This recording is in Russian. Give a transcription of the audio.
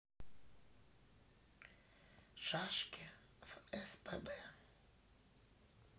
шашки в спб